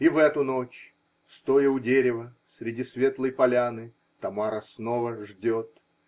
И в эту ночь, стоя у дерева среди светлой поляны, Тамара снова ждет.